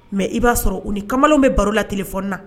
Mɛ i b'a sɔrɔ u ni kamalenw bɛ baro la kelen fɔ na